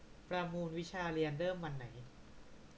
ประมูลวิชาเรียนเริ่มวันไหน